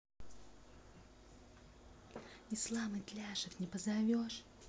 ислам итляшев не позовешь